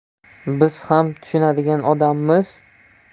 biz ham tushunadigan odammiz